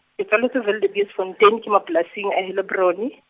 ke tswaletswe Wildebeestfontein, ke ma -plasing a Heilbron e.